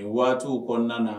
Waati kɔnɔna na